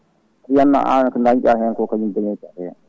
ko wonno ano ko dañoyɗa hen ko kañum dañoyta hen